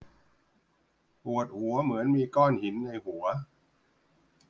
ปวดหัวเหมือนมีก้อนหินในหัว